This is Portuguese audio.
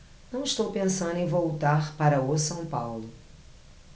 não estou pensando em voltar para o são paulo